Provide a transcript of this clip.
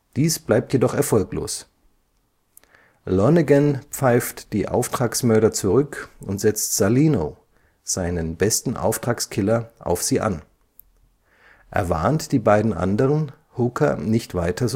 Dies bleibt jedoch erfolglos. Lonnegan pfeift die Auftragsmörder zurück und setzt Salino, seinen besten Auftragskiller, auf sie an. Er warnt die beiden anderen, Hooker nicht weiter